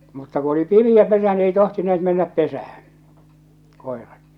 mutta kun oli pimeä pesä niin ei tohtineet mennä pesään koirat